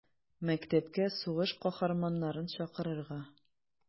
Мәктәпкә сугыш каһарманнарын чакырырга.